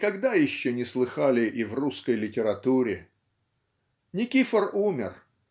никогда еще не слыхали и в русской литературе. Никифор умер